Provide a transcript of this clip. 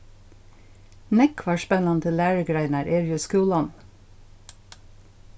nógvar spennandi lærugreinar eru í skúlanum